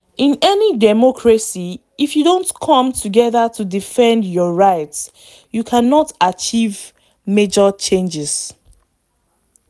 In any democracy, if you don’t come together to defend your rights, you cannot achieve major changes.